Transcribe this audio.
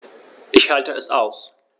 Ich schalte es aus.